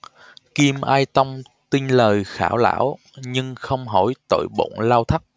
kim ai tông tin lời khảo lảo nhưng không hỏi tội bọn lâu thất